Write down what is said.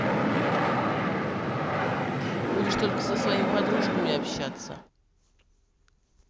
будешь только со своими подружками общаться